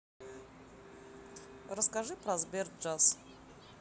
расскажи про сбер джаз